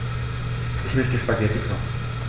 Ich möchte Spaghetti kochen.